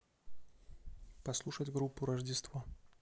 послушать группу рождество